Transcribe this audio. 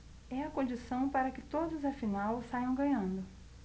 é a condição para que todos afinal saiam ganhando